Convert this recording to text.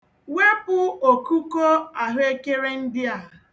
Wepụ okuko ahụekere ndịa.